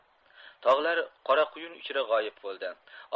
tog'lar qora quyun ichra g'oyib bo'ldi